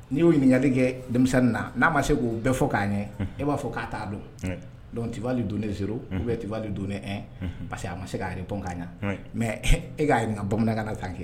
N'i y'o ɲininkali kɛ denmisɛnin na n'a ma se k'o bɛɛ fɔ k'a ɲɛ, unhun, e b'a fɔ k'a t'a don, , oui, donc ,tu vas le donner 0 ,oui, ou bien tu vas le donner1 parce que a ma se k'a repond ou k'a ɲɛ mais _e k'a jira la Bamanankan tan kɛ